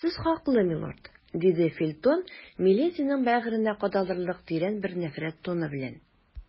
Сез хаклы, милорд, - диде Фельтон милединың бәгыренә кадалырлык тирән бер нәфрәт тоны белән.